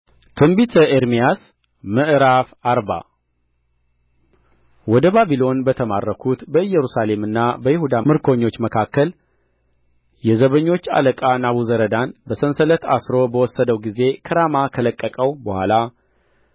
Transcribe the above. ትንቢተ ኤርምያስ ምዕራፍ አርባ ወደ ባቢሎን በተማረኩት በኢየሩሳሌምና በይሁዳ ምርኮኞች መካከል የዘበኞቹ አለቃ ናቡዘረዳን በሰንሰለት አስሮ በወሰደው ጊዜ ከራማ ከለቀቀው በኋላ